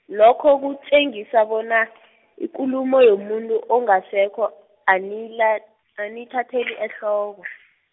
lokho kutjengisa bona , ikulumo yomuntu ongasekho aniyila- aniyithatheli ehloko.